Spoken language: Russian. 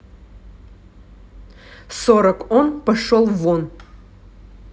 сорок он пошел вон